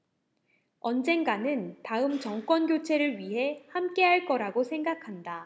언젠가는 다음 정권 교체를 위해 함께할 거라고 생각한다